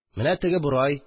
Менә теге борай